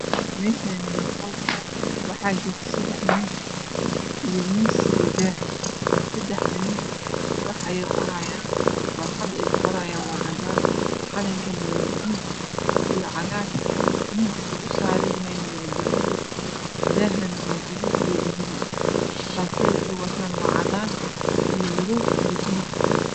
Meeshaani waa qol waxaa jooga sadex nin iyo miis iyo daah sadexda nin waxay qorayaan warqada ay ku qorayaan waa cadaan qalinkana waa guduud iyo cagaar miiska u saaranyahayna waa dahabi daahana waa guduud iyo dahabi shaatiyada ay wataana waa cadaan madow iyo buluug